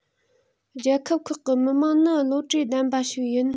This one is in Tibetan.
རྒྱལ ཁབ ཁག གི མི དམངས ནི བློ གྲོས ལྡན པ ཞིག ཡིན